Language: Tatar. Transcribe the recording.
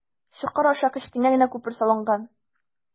Чокыр аша кечкенә генә күпер салынган.